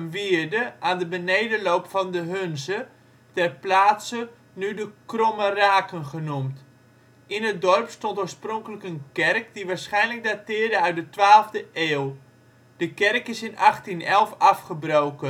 wierde, aan de benedenloop van de Hunze, ter plaatse nu de Kromme Raken genoemd. In het dorp stond oorspronkelijk een kerk die waarschijnlijk dateerde uit de twaalfde eeuw. De kerk is in 1811 afgebroken. De